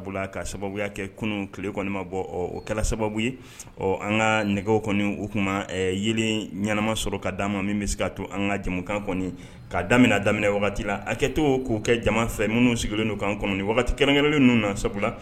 Ka sababuya kɛ kunun tile kɔni ma bɔ o kɛra sababu an ka nɛgɛ kɔni u kuma ye ɲɛnama sɔrɔ ka d'a ma min bɛ se ka to an ka jamukan kɔni ka daminɛ daminɛ wagati la hakɛ to k'o kɛ jamana fɛ minnu sigilen kan kɛrɛnkɛrɛnnen ninnu na sabu la